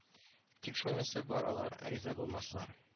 Тик шунысы бар алар риза булмаслар